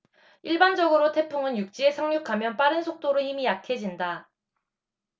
일반적으로 태풍은 육지에 상륙하면 빠른 속도로 힘이 약해진다